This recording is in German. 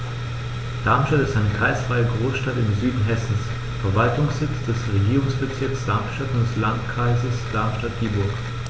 Darmstadt ist eine kreisfreie Großstadt im Süden Hessens, Verwaltungssitz des Regierungsbezirks Darmstadt und des Landkreises Darmstadt-Dieburg.